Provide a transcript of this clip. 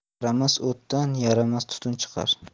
yaramas o'tdan yaramas tutun chiqar